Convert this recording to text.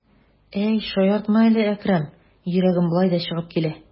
Әй, шаяртма әле, Әкрәм, йөрәгем болай да чыгып килә.